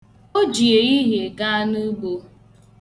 O ji ehihie gaa n'ugbo.